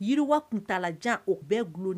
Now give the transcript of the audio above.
Yiriwa kuntaalajan o bɛɛ bulon de